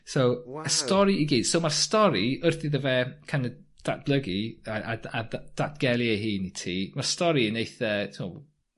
So... Waw. ...y stori i gyd so ma'r stori wrth iddo fe kin' of datblygu a a da- a dy- datgelu hun ti, ma'r stori yn eitha t'mo'